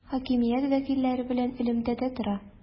Хакимият вәкилләре белән элемтәдә тора.